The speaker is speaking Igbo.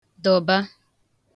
dọ̀ba